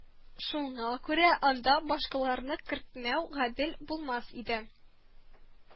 Шуңа күрә анда башкаларны кертмәү гадел булмас иде